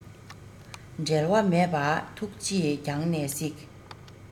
འབྲལ བ མེད པར ཐུགས རྗེས རྒྱང ནས གཟིགས